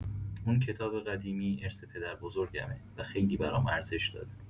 اون کتاب قدیمی ارث پدربزرگمه و خیلی برام ارزش داره.